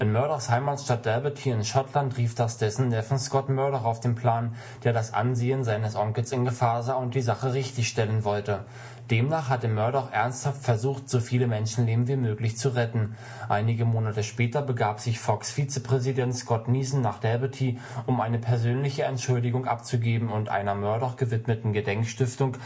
Murdochs Heimatstadt Dalbeattie in Schottland rief das dessen Neffen Scott Murdoch auf den Plan, der das Ansehen seines Onkels in Gefahr sah und die Sache richtig stellen wollte. Demnach hatte Murdoch ernsthaft versucht, so viele Menschenleben zu retten wie möglich. Einige Monate später begab sich Fox-Vizepräsident Scott Neeson nach Dalbeattie, um eine persönliche Entschuldigung abzugeben und einer Murdoch gewidmeten Gedenkstiftung